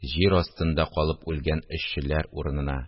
Җир астында калып үлгән эшчеләр урынына